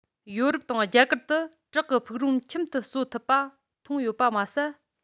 ཡོ རོབ དང རྒྱ གར དུ བྲག གི ཕུག རོན ཁྱིམ དུ གསོ ཐུབ པ མཐོང ཡོད པ མ ཟད